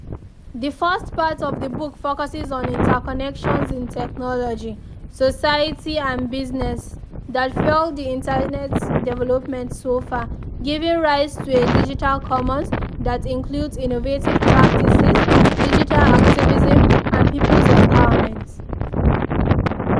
The first part of the book focuses on interconnections in technology, society and business that fueled the Internet's development so far, giving rise to a “digital commons” that includes innovative practices, digital activism, and people's empowerment.